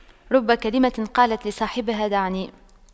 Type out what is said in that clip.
رب كلمة قالت لصاحبها دعني